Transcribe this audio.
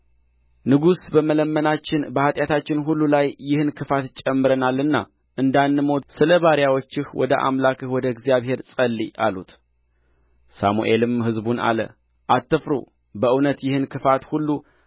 ንጉሥ በመለመናችን በኃጢአታችን ሁሉ ላይ ይህን ክፋት ጨምረናልና እንዳንሞት ስለ ባሪያዎችህ ወደ አምላክህ ወደ እግዚአብሔር ጸልይ አሉት ሳሙኤልም ሕዝቡን አለ አትፍሩ በእውነት ይህን ክፋት ሁሉ